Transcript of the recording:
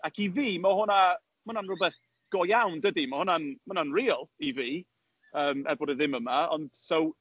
Ac i fi, ma' hwnna ma' hwnna'n rhywbeth go iawn, dydi. Ma' hwnna'n ma' hwnna'n real i fi, yym, er bod o ddim yma, ond, so...